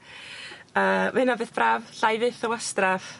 yy ma' hynna beth braf llai fyth a wastraff